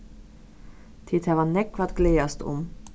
tit hava nógv at gleðast um